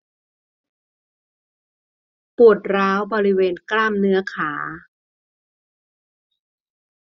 ปวดร้าวบริเวณกล้ามเนื้อขา